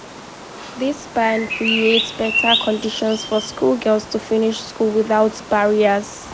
This ban creates better conditions for schoolgirls to finish school without barriers.